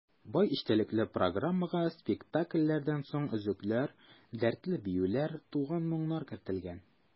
Бай эчтәлекле программага спектакльләрдән өзекләр, дәртле биюләр, туган моңнар кертелгән.